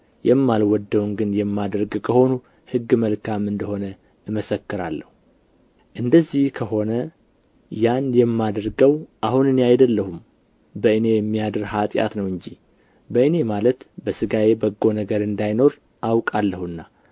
የማልወደውን ግን የማደርግ ከሆንሁ ሕግ መልካም እንደ ሆነ እመሰክራለሁ እንደዚህ ከሆነ ያን የማደርገው አሁን እኔ አይደለሁም በእኔ የሚያድር ኃጢአት ነው እንጂ በእኔ ማለት በሥጋዬ በጎ ነገር እንዳይኖር አውቃለሁና